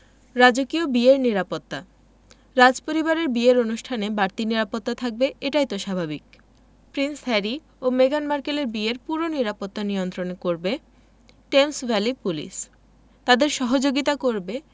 রাজকীয় বিয়ের নিরাপত্তা রাজপরিবারের বিয়ের অনুষ্ঠানে বাড়তি নিরাপত্তা থাকবে এটাই তো স্বাভাবিক প্রিন্স হ্যারি ও মেগান মার্কেলের বিয়ের পুরো নিরাপত্তা নিয়ন্ত্রণ করবে টেমস ভ্যালি পুলিশ তাঁদের সহযোগিতা করবে